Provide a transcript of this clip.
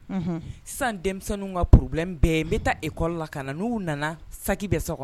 Unhun sisan denmisɛnninw ŋa problème bɛɛ ye n be taa école la kana n'u nana sac bɛ sɔkɔnɔ